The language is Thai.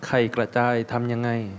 ไข่กระจายทำยังไง